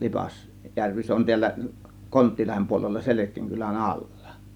- Lipasjärvi se on täällä Konttilahden puolella Selkien kylän alla